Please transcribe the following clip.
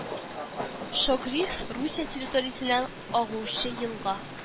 Шогриш Русия территориясеннән агучы елга